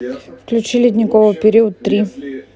включи ледниковый период три